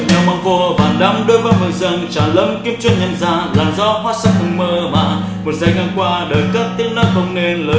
chạm nhau mang vô vàn đắm đuối vấn vương dâng tràn lấp kín chốn nhân gian làn gió hoá sắc hương mơ màng một giây ngang qua đời cất tiếng nói không nên lời